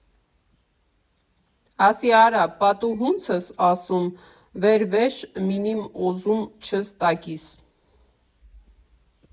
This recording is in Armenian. Ասի արա պա տու հունցըս ասում, վեր վեշ մինիմ օզում չըս թակիս։